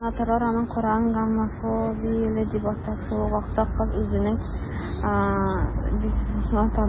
Җанатарлар аның карарын гомофобияле дип таба, шул ук вакытта кыз үзенең бисексуальлеген таный.